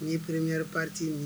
Ni'i peremeɔri pati nin ye